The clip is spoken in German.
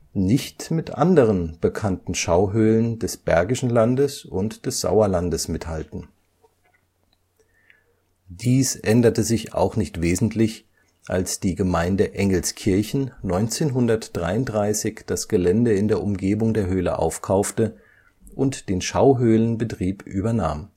nicht mit anderen bekannten Schauhöhlen des Bergischen Landes und des Sauerlandes mithalten. Dies änderte sich auch nicht wesentlich, als die Gemeinde Engelskirchen 1933 das Gelände in der Umgebung der Höhle aufkaufte und den Schauhöhlenbetrieb übernahm